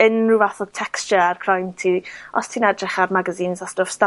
unrw fath o texture ar croen ti. Os ti'n edrych ar magazines stwff 'sda